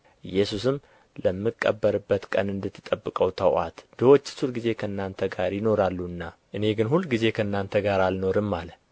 ኢየሱስም ለምቀበርበት ቀን እንድትጠብቀው ተውአት ድሆችስ ሁልጊዜ ከእናንተ ጋር ይኖራሉና እኔ ግን ሁልጊዜ ከእናንተ ጋር አልኖርም አለ